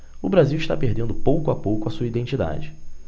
o brasil está perdendo pouco a pouco a sua identidade